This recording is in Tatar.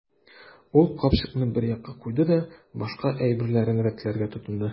Ул капчыкны бер якка куйды да башка әйберләрен рәтләргә тотынды.